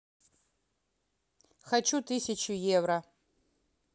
хочу тысячу евро